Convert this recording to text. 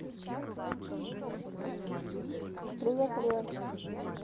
привет ариэль